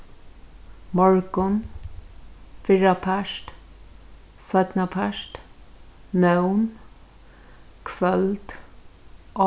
morgun fyrrapart seinnapart nón kvøld